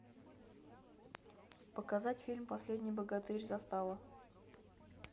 показать фильм последний богатырь застава